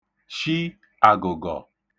shi àgụ̀gọ̀